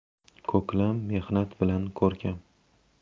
ko'klam mehnat bilan ko'rkam